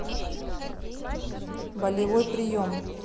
болевой прием